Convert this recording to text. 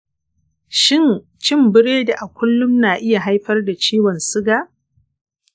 shin cin biredi a kullum na iya haifar da ciwon suga?